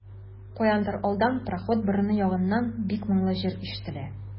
Каяндыр алдан, пароход борыны ягыннан, бик моңлы җыр ишетелә.